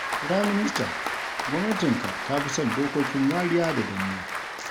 Firanminista, gwamnatinka ta fi son dokokin wariya da danniya.